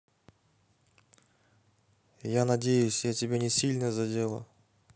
я надеюсь я тебя не сильно задела